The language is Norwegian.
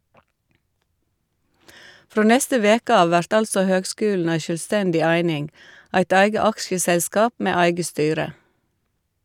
Frå neste veke av vert altså høgskulen ei sjølvstendig eining, eit eige aksjeselskap med eige styre.